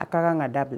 A ka k kan ka da